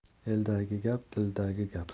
eldagi gap dildagi gap